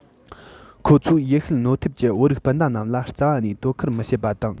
ཁོ ཚོས ཡུལ ཤུལ གནོད ཐེབས ཀྱི བོད རིགས སྤུན ཟླ རྣམས ལ རྩ བ ནས དོ ཁུར མི བྱེད པ དང